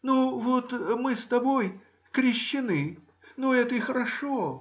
— Ну, вот мы с тобою крещены,— ну, это и хорошо